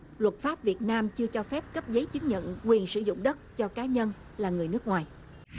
luật pháp việt nam chưa cho phép cấp giấy chứng nhận quyền sử dụng đất cho cá nhân là người nước ngoài